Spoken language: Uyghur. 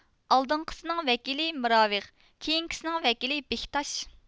ئالدىنقىسىنىڭ ۋەكىلى مىراۋىغ كېيىنكىسىنىڭ ۋەكىلى بېكتاش